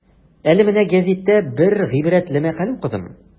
Әле менә гәзиттә бер гыйбрәтле мәкалә укыдым.